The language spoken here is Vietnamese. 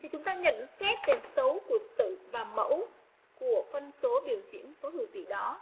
chúng ta nhận xét về xấu của tử và mẫu của phân số biểu diễn số hữu tỉ đó